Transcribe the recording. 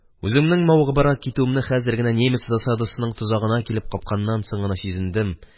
Үземнең мавыгыбрак китүемне хәзер генә, немец засадасының тозагына килеп капканнан соң гына сизендем